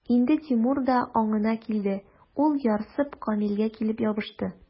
Инде Тимур да аңына килде, ул, ярсып, Камилгә килеп ябышты.